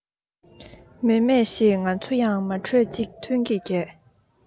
མཱེ མཱེ ཞེས ང ཚོ ཡང མ གྲོས གཅིག མཐུན གྱིས བགད